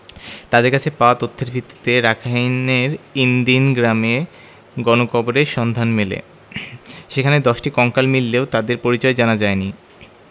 তাঁদের কাছে পাওয়া তথ্যের ভিত্তিতে রাখাইনের ইন দিন গ্রামে গণকবরের সন্ধান মেলে সেখানে ১০টি কঙ্কাল মিললেও তাদের পরিচয় জানা যায়নি